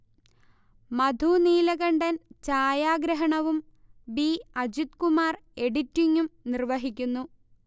മധു നീലകണ്ഠൻ ഛായാഗ്രഹണവും ബി. അജിത്കുമാർ എഡിറ്റിങും നിർവഹിക്കുന്നു